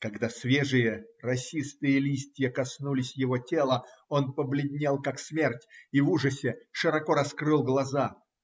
Когда свежие, росистые листья коснулись его тела, он побледнел как смерть и в ужасе широко раскрыл глаза.